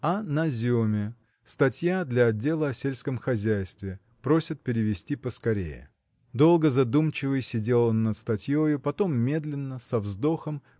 О наземе, статья для отдела о сельском хозяйстве. Просят перевести поскорее. Долго задумчивый сидел он над статьею потом медленно со вздохом